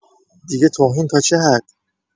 دیگه توهین تا چه حد؟!